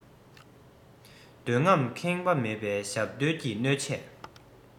འདོད རྔམས ཁེངས པ མེད པའི ཞབས བརྡོལ གྱི གནོད ཆས